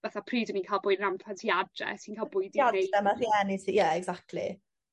fatha pryd o'n i'n ca'l bwyd yn amlwg pan ti adre ti'n ca'l bwyd ma' rhieni sy ie exactly.